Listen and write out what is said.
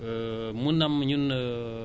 loolu moo tax taux bi yegg foofu